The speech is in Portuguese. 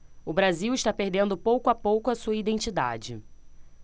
o brasil está perdendo pouco a pouco a sua identidade